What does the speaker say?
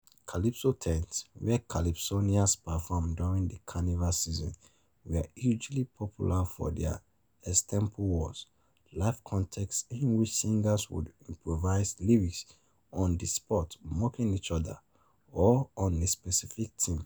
Calypso tents, where calypsonians perform during the Carnival season, were hugely popular for their "extempo wars", live contests in which singers would improvise lyrics on the spot mocking each other, or on a specific theme.